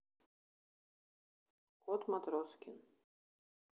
кот матроскин